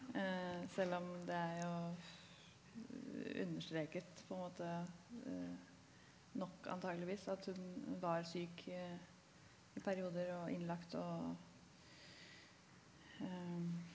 selv om det er jo understreket på en måte nok antageligvis at hun var syk i perioder og innlagt og .